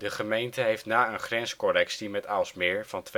gemeente heeft na een grenscorrectie met Aalsmeer van